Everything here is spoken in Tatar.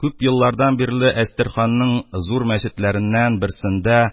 Күп еллардан бирле әстерханның зур мәчетләреннән берсендә